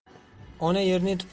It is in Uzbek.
ona yerning tuprog'i